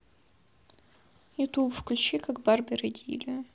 ютуб включи как барби родили